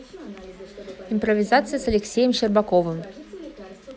импровизация с алексеем щербаковым